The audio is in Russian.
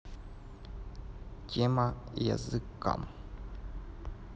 тема языка